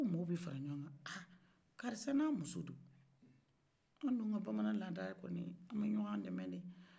fɔ mɔw bɛ fara ɲɔgɔn kan a karissa n'a muso do an dun ka bamananya ladala maw bɛ ɲɔgon dɛmɛne